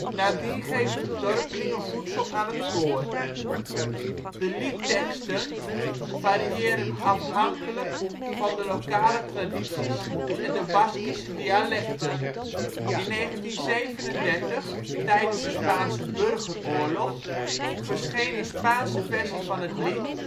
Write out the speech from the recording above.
Nadien geven de dorpelingen voedsel aan het koor. De liedteksten variëren afhankelijk van de lokale tradities en de Baskische dialecten. In 1937, tijdens de Spaanse Burgeroorlog, verscheen een Spaanse versie van het lied